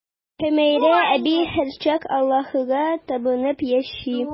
Хөмәйрә әби һәрчак Аллаһыга табынып яши.